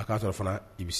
A k'a sɔrɔ fana i bɛ se!